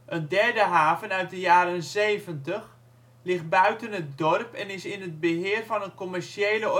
derde haven (jaren ' 70) ligt buiten het dorp en is in het beheer van een commerciële